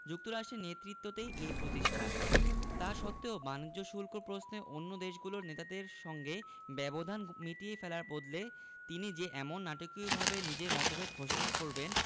যুক্তরাষ্ট্রের নেতৃত্বেই এর প্রতিষ্ঠা তা সত্ত্বেও বাণিজ্য শুল্ক প্রশ্নে অন্য দেশগুলোর নেতাদের সঙ্গে ব্যবধান মিটিয়ে ফেলার বদলে তিনি যে এমন নাটকীয়ভাবে নিজের মতভেদ ঘোষণা করবেন